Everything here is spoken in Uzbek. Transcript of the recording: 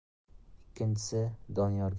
ikkinchisi donyorga erkalanib jimgina